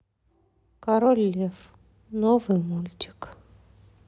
король лев новый мультик